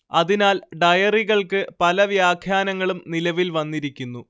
അതിനാൽ ഡയറികൾക്ക് പല വ്യാഖ്യാനങ്ങളും നിലവിൽ വന്നിരിക്കുന്നു